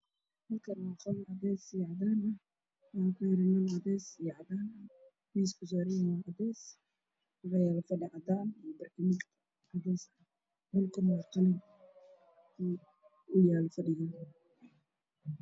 Halkaan waa qol cadeys iyo cadaan waxaa kuxiran nal cadeys ah, miiska uu saaran yahay waa cadeys, fadhi cadaan ah, qolku waa qalin.